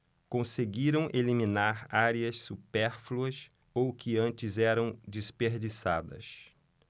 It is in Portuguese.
conseguiram eliminar áreas supérfluas ou que antes eram desperdiçadas